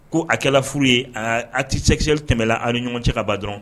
Ko a kɛla furu ye acte sexiel tɛmɛnna a ni ɲɔgɔn cɛ ka ban dɔrɔnw